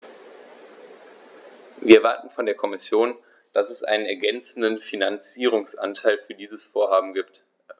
Wir erwarten von der Kommission, dass es einen ergänzenden Finanzierungsanteil für die Vorhaben gibt.